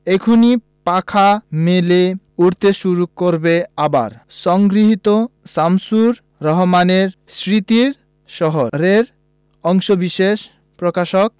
এক্ষুনি পাখা মেলে উড়তে শুরু করবে আবার সংগৃহীত শামসুর রাহমানের স্মৃতির শহর এর অংশবিশেষ প্রকাশক